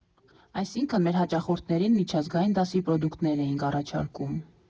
Այսինքն՝ մեր հաճախորդներին միջազգային դասի պրոդուկտներ էինք առաջարկում։